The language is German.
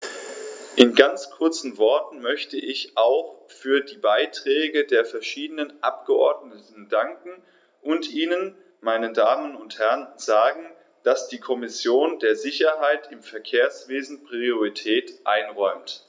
In ganz kurzen Worten möchte ich auch für die Beiträge der verschiedenen Abgeordneten danken und Ihnen, meine Damen und Herren, sagen, dass die Kommission der Sicherheit im Verkehrswesen Priorität einräumt.